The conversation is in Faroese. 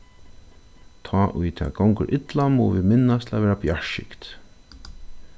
tá ið tað gongur illa mugu vit minnast til at vera bjartskygd